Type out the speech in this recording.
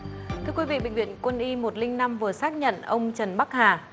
thưa quý vị bệnh viện quân y một linh năm vừa xác nhận ông trần bắc hà